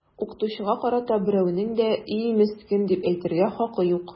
Укытучыга карата берәүнең дә “и, мескен” дип әйтергә хакы юк!